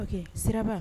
Sira